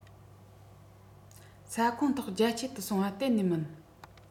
ས ཁོངས ཐོག རྒྱ སྐྱེད དུ སོང བ གཏན ནས མིན